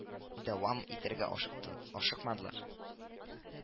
Дәвам итәргә ашыктың ашыкмадылар